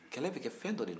kɛlɛ bɛ kɛ fɛn dɔ de la